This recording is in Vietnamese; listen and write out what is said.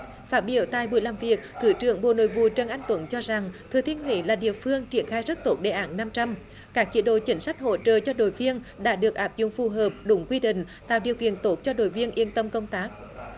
phát biểu tại buổi làm việc thứ trưởng bộ nội vụ trần anh tuấn cho rằng thừa thiên huế là địa phương triển khai rất tốt đề án năm trăm các chế độ chính sách hỗ trợ cho đội viên đã được áp dụng phù hợp đúng quy định tạo điều kiện tốt cho đội viên yên tâm công tác